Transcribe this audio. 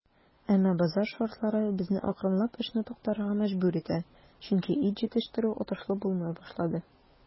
Әмма базар шартлары безне акрынлап эшне туктатырга мәҗбүр итә, чөнки ит җитештерү отышлы булмый башлады.